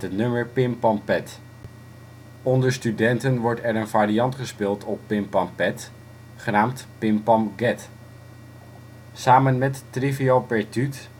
nummer Pim Pam Pet. Onder studenten wordt er een variant gespeeld op Pim Pam Pet, genaamd Pim Pam Get. Samen met Trivial per Tuut